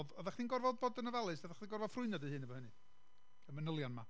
Oedd- oeddach chdi'n gorfod bod yn ofalus? Oeddach chdi'n gorfod ffrwyno dy hun efo hynny, y manylion 'ma?